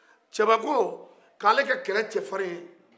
cɛba ko ka ale kɛ kɛlɛ cɛfari ye